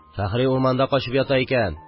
– фәхри урманда качып ята икән...